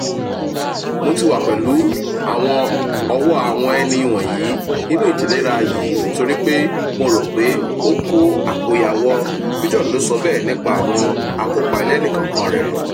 "Mo ti wà pẹ̀lú àwọn ọ̀wọ̀ àwọn ẹni wọ̀nyìí nínú ìtòléra yìí nítorípé mo rò pé ó kó àkóyáwọ́,” Bjorn ló sọ bẹ́ẹ̀ nípa àwọn àkopa ẹlẹ́nìkọ̀ọ̀an rẹ̀.